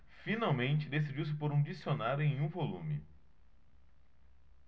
finalmente decidiu-se por um dicionário em um volume